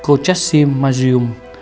cô chét xi ma di um